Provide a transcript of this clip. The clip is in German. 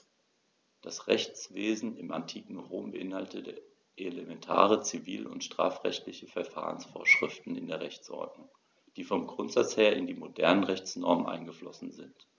Das Rechtswesen im antiken Rom beinhaltete elementare zivil- und strafrechtliche Verfahrensvorschriften in der Rechtsordnung, die vom Grundsatz her in die modernen Rechtsnormen eingeflossen sind.